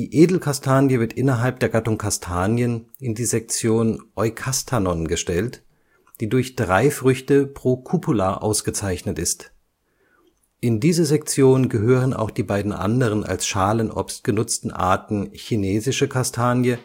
Edelkastanie wird innerhalb der Gattung Kastanien (Castanea) in die Sektion Eucastanon gestellt, die durch drei Früchte pro Cupula ausgezeichnet ist. In diese Sektion gehören auch die beiden anderen als Schalenobst genutzten Arten Chinesische Kastanie